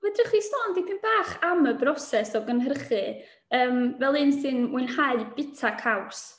Fedrwch chi sôn dipyn bach am y broses o gynhyrchu, yym, fel un sy'n mwynhau bwyta caws.